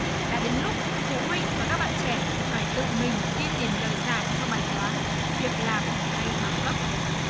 đã đến lúc phụ huynh và các bạn trẻ phải tự mình đi tìm lời giải cho bài toán việc làm hay bằng cấp